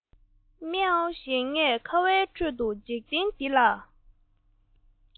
མཱེ མཱེ ཞེས ངས ཁ བའི ཁྲོད དུ འཇིག རྟེན འདི ལ